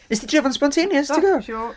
Wnest ti drio fo'n sbontaneous, ti'n gwybod.